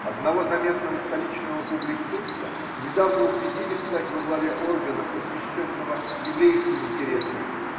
Одного заметного столичного публициста недавно убедили стать во главе органа, посвященного еврейским интересам